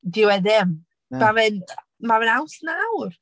Dyw e ddim... Na. ...Ma' fe'n mae fe'n Awst nawr.